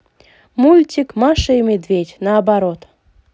мультик маша и медведь наоборот